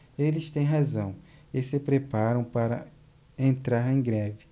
eles têm razão e se preparam para entrar em greve